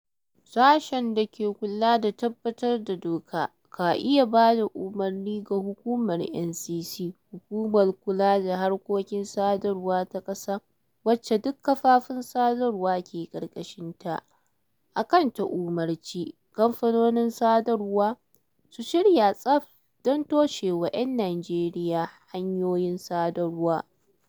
Sashen da ke kula da tabbatar da doka ka'iya ba da umarni ga Hukumar NCC [Hukumar Kula da Harkokin Sadrwa ta ƙasa - wacce duk kamfanonin sadarwa ke ƙarƙashinta] a kan ta umarci kamfanonin sadarwar su shirya tsaf don toshewa 'yan Nijeriya hanyoyin sadarwa.